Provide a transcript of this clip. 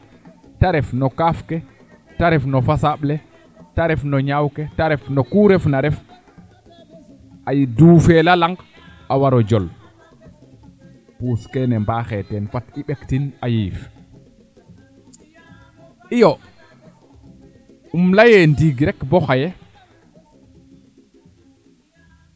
te ref no kaaf ke te ref no fasaaɓ le te ref no ñaaw ke te ref no kuu refna ref ay duufera laŋ a waro jol puus keene mbaaxe teen fat i mbektin a yiif iyo im leye ndiing rek bo xaye